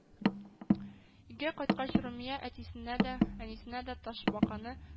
Өйгә кайткач Румия әтисенәдә, әнисенәдә ташбаканы